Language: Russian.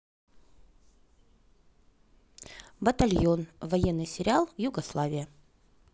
батальон военный сериал югославия